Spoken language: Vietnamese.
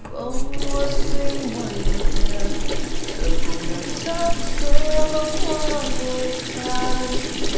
bông hoa xinh ngoài vườn nhà giờ cũng đã xác xơ bông hoa lụi tàn